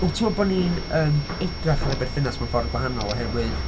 Wyt ti'n meddwl bod ni'n yym edrych ar y berthynas mewn ffordd gwahanol oherwydd